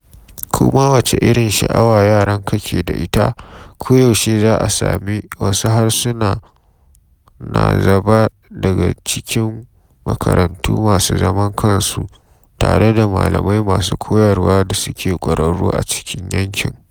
Ko ma wace irin sha’awa yaranka ke da ita, koyaushe za a sami wasu harsuna na zaba daga cikin makarantu masu zaman kansu, tare da malamai masu koyarwa da suke kwararru a cikin yankin.